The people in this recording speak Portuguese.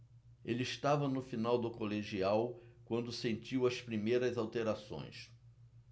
ele estava no final do colegial quando sentiu as primeiras alterações